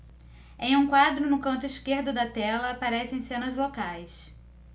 em um quadro no canto esquerdo da tela aparecem cenas locais